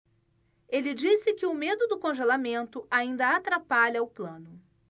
ele disse que o medo do congelamento ainda atrapalha o plano